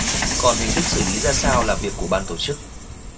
còn hình thức xử lý ra sao là việc của ban tổ chức